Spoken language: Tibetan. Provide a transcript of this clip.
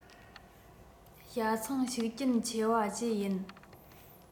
བྱ ཚང ཤུགས རྐྱེན ཆེ བ བཅས ཡིན